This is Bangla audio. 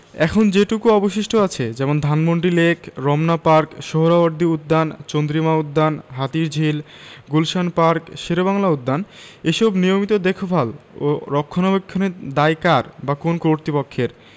এখন যেটুকু অবশিষ্ট আছে যেমন ধানমন্ডি লেক রমনা পার্ক সোহ্রাওয়ার্দী উদ্যান চন্দ্রিমা উদ্যান হাতিরঝিল গুলশান পার্ক শেরেবাংলা উদ্যান এসব নিয়মিত দেখভাল ও রক্ষণাবেক্ষণের দায় কার বা কোন্ কর্তৃপক্ষের